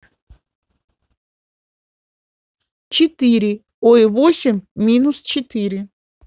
четыре ой восемь минус четыре